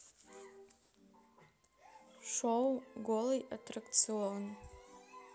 шоу голый аттракцион